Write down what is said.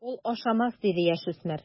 Ул ашамас, - диде яшүсмер.